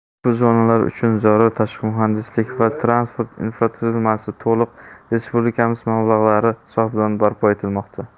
ushbu zonalar uchun zarur tashqi muhandislik va transport infratuzilmasi to'liq respublikamiz mablag'lari hisobidan barpo etilmoqda